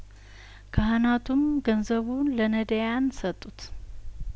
ካህናቱም ገንዘቡን ለነዳያን ሰጡት